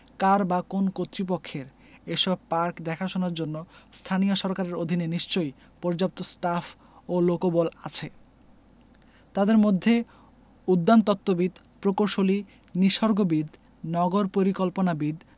কার বা কোন্ কর্তৃপক্ষের এসব পার্ক দেখাশোনার জন্য স্থানীয় সরকারের অধীনে নিশ্চয়ই পর্যাপ্ত স্টাফ ও লোকবল আছে তাদের মধ্যে উদ্যানতত্ত্ববিদ প্রকৌশলী নিসর্গবিদ নগর পরিকল্পনাবিদ